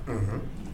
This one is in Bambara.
Unɔn